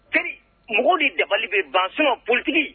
Teri mɔgɔw ni dabali bɛ ban suma politigi